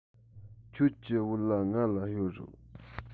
ཁྱོད ཀྱི བོད ལྭ ང ལ གཡོར རོགས